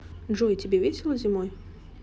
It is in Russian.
джой тебе весело зимой